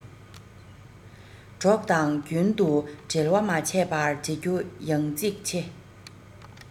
གྲོགས དང རྒྱུན དུ འབྲེལ བ མ ཆད པ བྱེད རྒྱུ ཡང གཙིགས ཆེ